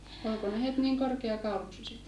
olko ne heti niin korkeakauluksiset